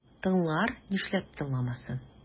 Тыңлар, нишләп тыңламасын?